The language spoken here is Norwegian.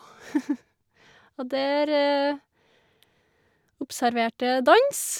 Og der observerte jeg dans.